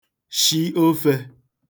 shi ofē